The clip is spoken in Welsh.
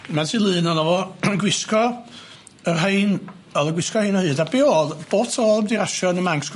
'Ma ti lun ono fo yn gwisgo yr rhein o'dd o'n gwisgo rhein o hyd a be' o'dd bob tro mynd i rasio yn y Manx